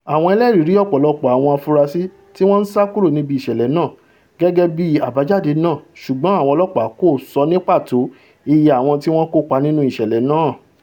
Àwọn ẹlẹ́ẹ̀rí rí ọ̀pọ̀lọpọ̀ àwọn afurasí tíwọn ńsá kúrò níbi ìṣẹ̀lẹ̀ náà, gẹ́gẹ́bí àgbéjadé náà, ṣùgbọ́n àwọn ọlọ́ọ̀pá kò sọní pàtó iye àwọn tíwọ́n kópa nínú ìṣẹ̀lẹ̀ náà.